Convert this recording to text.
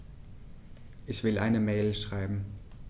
Ich will eine Mail schreiben.